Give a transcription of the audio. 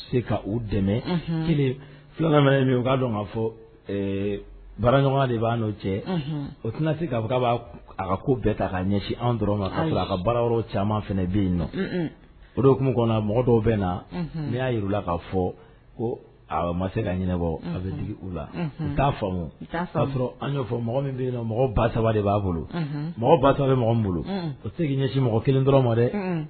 'a o sea ko bɛɛ ta ɲɛsin dɔrɔn a ka bara caman bɛ yen nɔ o don mɔgɔ dɔw bɛ na ne y'a jira la'a fɔ ko ma se kabɔ a bɛ u la n t'a faamu b'a sɔrɔ an' fɔ mɔgɔ min bɛ yen mɔgɔ ba saba de b'a bolo mɔgɔ ba saba bɛ mɔgɔ bolo o tɛ ɲɛ mɔgɔ kelen dɔrɔn ma dɛ